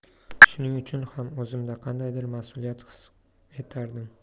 shuning uchun ham o'zimda qandaydir mas'uliyat his etardim